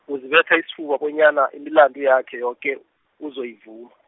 uzibetha isifuba bonyana, imilandu yakhe yoke, uzoyivuma.